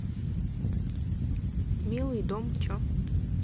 милый дом че